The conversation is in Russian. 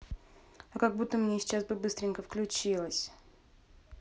а как будто мне сейчас бы быстренько включилось